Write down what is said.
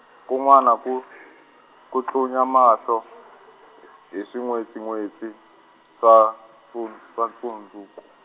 ku n'wana ku , ku tlunya mahlo , h- hi swin'wetsin'wetsi, swa ku, swa ku ntsuku-.